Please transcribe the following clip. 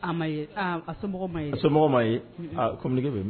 A ma a so ma yege bɛ